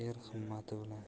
er himmati bilan